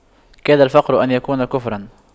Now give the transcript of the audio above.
كاد الفقر أن يكون كفراً